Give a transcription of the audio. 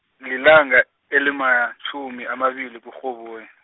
lilanga, elimatjhumi, amabili kuRhoboyi.